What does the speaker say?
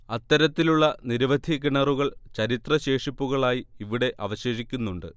അത്തരത്തിലുള്ള നിരവധി കിണറുകൾ ചരിത്ര ശേഷിപ്പുകളായി ഇവിടെ അവശേഷിക്കുന്നുണ്ട്